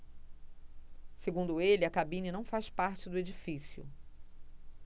segundo ele a cabine não faz parte do edifício